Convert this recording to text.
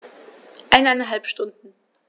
Eineinhalb Stunden